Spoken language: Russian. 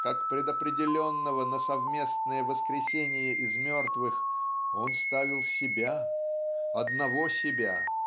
как предопределенного на совместное воскресение из мертвых он ставил себя одного себя.